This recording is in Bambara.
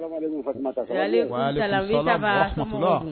Yafa ja